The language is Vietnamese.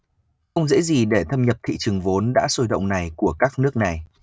không dễ gì để thâm nhập thị trường vốn đã sôi động này của các nước này